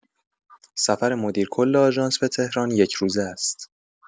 سفر مدیرکل آژانس به تهران یک‌روزه است.